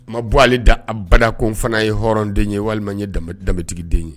Kuma bɔ ale dabada ko n fana ye hɔrɔnden ye walima ye danbetigi den ye